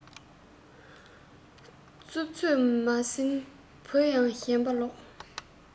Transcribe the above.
རྩུབ ཚོད མ ཟིན བུ ཡང ཞེན པ ལོག